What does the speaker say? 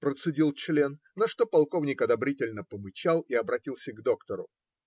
процедил член, на что полковник одобрительно помычал и обратился к доктору.